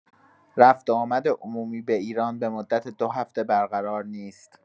رفت و آمد عمومی به ایران به مدت دو هفته برقرار نیست.